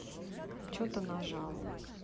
че ты нажал